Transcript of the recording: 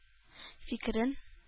Фикерен